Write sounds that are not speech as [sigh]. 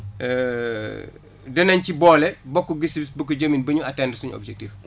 [hesitation] danañ ci boole bokk gis-gis bokk jëmin ba ñu atteindre suñu objectif